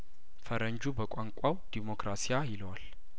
ፈረንጁ በቋንቋው ዲሞክራሲ ያይለዋል